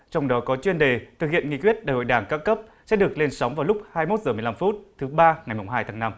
trong đó có chuyên đề thực hiện nghị quyết đại hội đảng các cấp sẽ được lên sóng vào lúc hai mốt giờ mười lăm phút thứ ba ngày mùng hai tháng năm